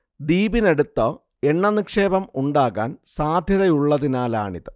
ദ്വീപിനടുത്ത് എണ്ണ നിക്ഷേപം ഉണ്ടാകാൻ സാദ്ധ്യതയുള്ളതിനാലാണിത്